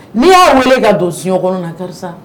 N'i y'a wele ka don siɲɔkɔnɔ na karisa